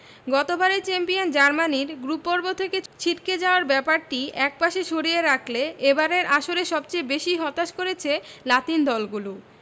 গতবারের চ্যাম্পিয়ন জার্মানির গ্রুপপর্ব থেকে ছিটকে যাওয়ার ব্যাপারটি একপাশে সরিয়ে রাখলে এবারের আসরে সবচেয়ে বেশি হতাশ করেছে লাতিন দলগুলো